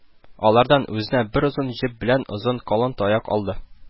Алардан үзенә бер озын җеп белән озын калын таяк алды